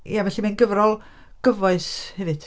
Ia, felly, mae'n gyfrol gyfoes hefyd.